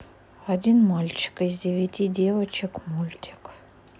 один мальчик из девяти девочек мультик